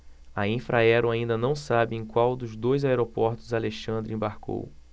a infraero ainda não sabe em qual dos dois aeroportos alexandre embarcou